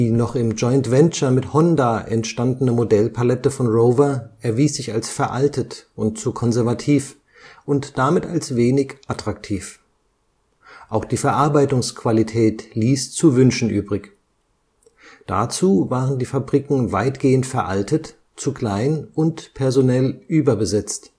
noch im Joint Venture mit Honda entstandene Modellpalette von Rover erwies sich als veraltet und zu konservativ und damit als wenig attraktiv. Auch die Verarbeitungsqualität ließ zu wünschen übrig. Dazu waren die Fabriken weitgehend veraltet, zu klein und personell überbesetzt